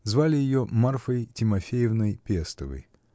Звали ее Марфой Тимофеевной Пестовой.